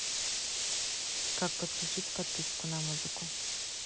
как подключить подписку на музыку